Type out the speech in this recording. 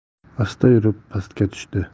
asta yurib pastga tushdi